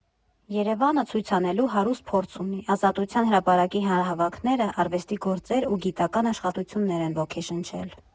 Երևանը ցույց անելու հարուստ փորձ ունի՝ Ազատության հրապարակի հանրահավաքները արվեստի գործեր ու գիտական աշխատություններ են օգեշնչել։